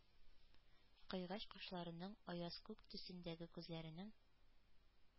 Кыйгач кашларының, аяз күк төсендәге күзләренең,